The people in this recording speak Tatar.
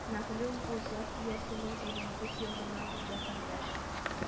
Мәгълүм бу зат иясенең әбиебез ягыннан безгә кардәш